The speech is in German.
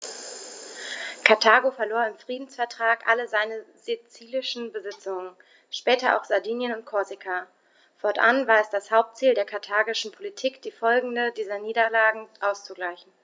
Karthago verlor im Friedensvertrag alle seine sizilischen Besitzungen (später auch Sardinien und Korsika); fortan war es das Hauptziel der karthagischen Politik, die Folgen dieser Niederlage auszugleichen.